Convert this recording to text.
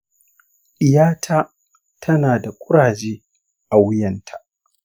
ɗiyata tana da kuraje a wuyanta.